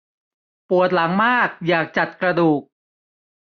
ปวดหลังมากอยากจัดกระดูก